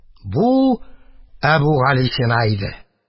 Бу Әбүгалисина иде.